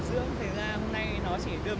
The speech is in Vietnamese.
nay nó chỉ đưa